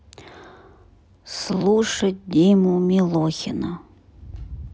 слушать диму милохина